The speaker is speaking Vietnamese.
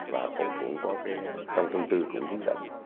và cũng có cái trong thông tư cũng hướng dẫn